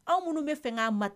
Anw minnu bɛ fɛ k' ma ta